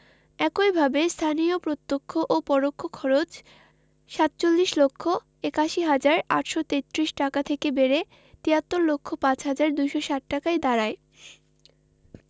একইভাবে স্থানীয় প্রত্যক্ষ ও পরোক্ষ খরচ ৪৭ লক্ষ ৮১ হাজার ৮৩৩ টাকা থেকে বেড়ে ৭৩ লক্ষ ৫ হাজার ২৬০ টাকায় দাঁড়ায়